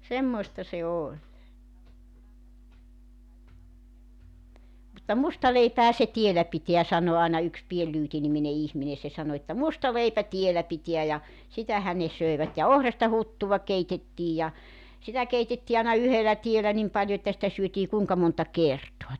semmoista se oli mutta musta leipähän se tiellä pitää sanoi aina yksi Pieni Lyyti niminen ihminen se sanoi että musta leipä tiellä pitää ja sitähän ne söivät ja ohrasta huttua keitettiin ja sitä keitettiin aina yhdellä tiellä niin paljon että sitä syötiin kuinka monta kertaa